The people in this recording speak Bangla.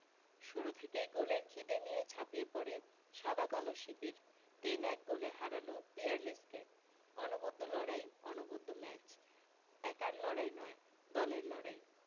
শুরু থেকেই গোলের খিদে নিয়ে ঝাঁপিয়ে পড়ে সাদা কালো শিবির তিন এক গোলে হারাল পিয়ারলেসকে অনবদ্য লড়াই অনবদ্য ম্যাচ একার লড়াই নয় দলের লড়াই